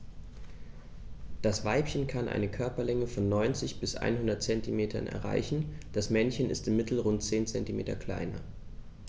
Das Weibchen kann eine Körperlänge von 90-100 cm erreichen; das Männchen ist im Mittel rund 10 cm kleiner.